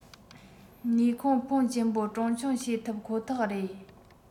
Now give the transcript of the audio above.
ནུས ཁུངས ཕོན ཆེན པོ གྲོན ཆུང བྱེད ཐུབ ཁོ ཐག རེད